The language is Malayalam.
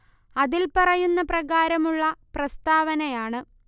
അതില് പറയുന്ന പ്രകാരമുള്ള പ്രസ്താവനയാണ്